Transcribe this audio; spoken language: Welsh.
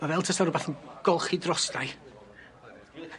Ma' fel tasa rwbath yn golchi drostai.